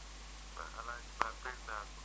waaw El hadj Ba